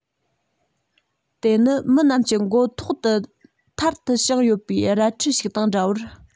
དེ ནི མི རྣམས ཀྱི མགོ ཐོག ཏུ ཐར དུ དཔྱངས ཡོད པའི རལ གྲི ཞིག དང འདྲ བར